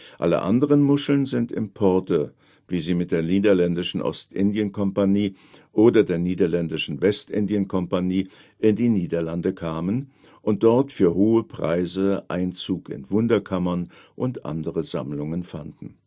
Alle anderen Muscheln sind Importe, wie sie mit der Niederländischen Ostindien-Kompanie oder der Niederländischen Westindien-Kompanie in die Niederlande kamen und dort für hohe Preise Einzug in Wunderkammern und andere Sammlungen fanden